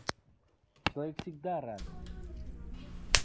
человек всегда рад